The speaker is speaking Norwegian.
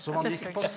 ja selvfølgelig.